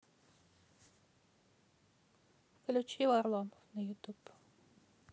включи варламов на ютуб